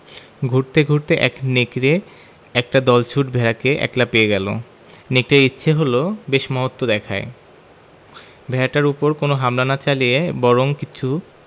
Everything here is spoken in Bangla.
ঘুরতে ঘুরতে এক নেকড়ে একটা দলছুট ভেড়াকে একলা পেয়ে গেল নেকড়ের ইচ্ছে হল বেশ মহত্ব দেখায় ভেড়াটার উপর কোন হামলা না চালিয়ে বরং কিছু